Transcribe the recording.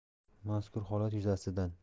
mazkur holat yuzasidan